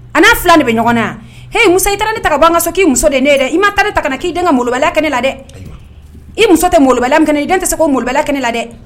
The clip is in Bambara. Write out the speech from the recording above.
A n'a fila de bɛ ɲɔgɔn yan h muso i taa ne ta ka bɔ n kaso k' ii muso de ne dɛ i ma taa ne ta ka k'i ka malola kɛnɛ ne la dɛ i muso tɛ i den tɛ se ko mola kɛnɛ ne la dɛ